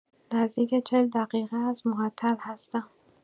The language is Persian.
نزدیک ۴۰ دقیقه است معطل هستم